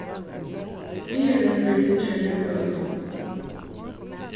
viðurin verður viðgjørdur við olju